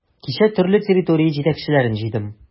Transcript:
Кичә төрле территория җитәкчеләрен җыйдым.